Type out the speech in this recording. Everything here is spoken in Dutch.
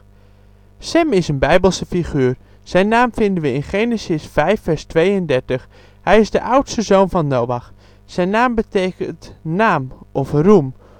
bijbelse figuur. Zijn naam vinden we in Genesis 5 vers 32. Hij is de oudste zoon van Noach. Zijn naam betekent: naam of roem